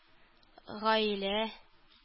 Гаилә